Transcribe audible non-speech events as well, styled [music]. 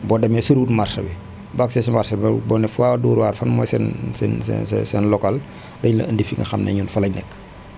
boo demee si route marché bi boo àggsee si marché bi boo nee fu waa Dóor waar fan mooy seen seen seen seen local [noise] di nañ la ëndi fi nga xam ne ñun fa la ñu nekk [noise]